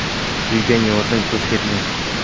suygan yordan ko'z ketmas